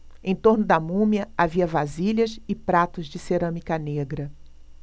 em torno da múmia havia vasilhas e pratos de cerâmica negra